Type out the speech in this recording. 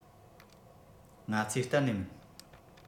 ང ཚོའི གཏན ནས མིན